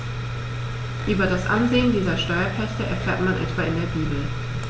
Über das Ansehen dieser Steuerpächter erfährt man etwa in der Bibel.